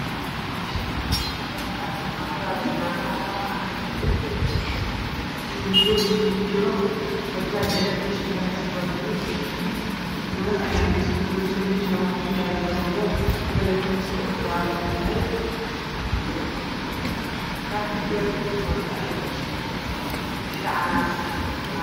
Meeshani waa meel laami ah waxaa maraayo gaari cadaan ah iyo madaw isugu jiro Bajaj ayaya meeshani maraysa gudud ayaay meeshan marayso waxaa ku yaalp. dabacqyo larkiisu jaale uu yahay nag dhar madaw wataa ayaay marayso geedo cagagran ayaya mabaxaayo